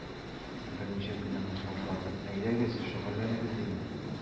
Берничә көннән ул шалтыратып: “Әйдәгез, шөгыльләнегез”, диде.